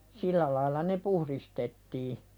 sillä lailla ne puhdistettiin